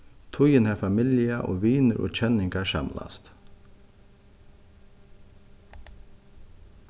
tíðin har familja og vinir og kenningar samlast